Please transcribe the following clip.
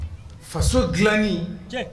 Faso dilanni tiɲɛ